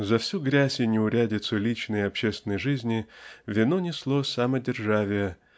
За всю грязь и неурядицу личной и общественной жизни вину несло самодержавие